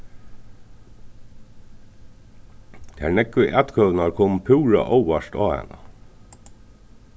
tær nógvu atkvøðurnar komu púra óvart á hana